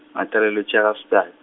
ngatalelwa Tjakastad.